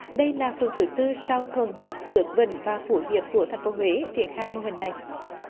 đây là phiên thứ tư sau thuần lộc phước vĩnh và phủ hiệp của thành phố huế triển khai mô hình này